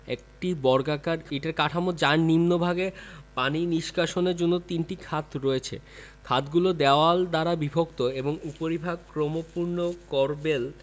একটি বর্গাকার ইটের কাঠামো যার নিম্নভাগে পানি নিষ্কাশনের জন্য তিনটি খাত রয়েছে খাতগুলি দেয়াল দ্বারা বিভক্ত এবং উপরিভাগ ক্রমপূরণ করবেল